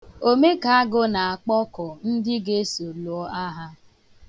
Omekagụ na-akpọkọ ndị ga-eso lụọ agha.